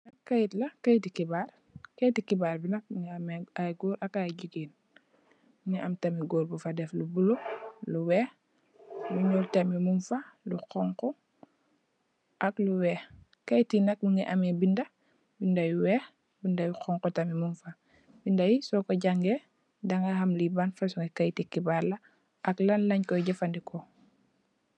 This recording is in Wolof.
keity la keitei geibara keitei geibara bi nak mu nei amei nei goor ak gegai mu amei tamit goor bu fa bif lu blue lu weex lu nuu tamit min fa lu jorko ak weex gritei bi ak mu amei nei binda binda bu weex ak binda jorko getei bi ak so ko rankei da nai nam le ban pasuuny keitei gaibara ak lan len ko jefadiku